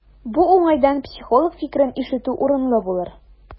Бу уңайдан психолог фикерен ишетү урынлы булыр.